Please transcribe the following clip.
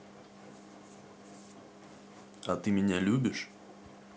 а ты меня любишь